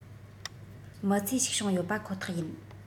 མི ཚེའི ཞིག བྱུང ཡོད པ ཁོ ཐག ཡིན